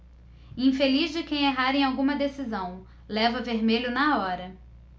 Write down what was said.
infeliz de quem errar em alguma decisão leva vermelho na hora